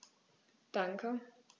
Danke.